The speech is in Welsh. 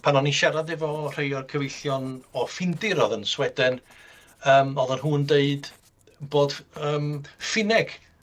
Pan o'n i' siarad efo rhei o'r cyfeillion o Ffindir o'dd yn Sweden yym oeddan nhw'n dweud bod yym Ffinneg